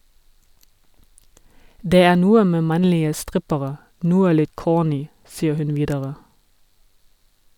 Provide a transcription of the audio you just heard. - Det er noe med mannlige strippere, noe litt kårny, sier hun videre.